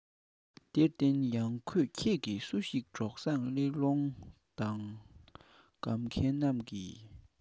དེར བརྟེན ཡང གོས ཁྱེད ཀྱི སུ ཞིག གྲོགས བཟང དགེ སློང དག གམ མཁས རྣམས ཀྱིས